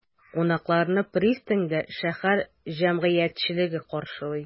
Кунакларны пристаньда шәһәр җәмәгатьчелеге каршылый.